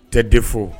Tɛ de fo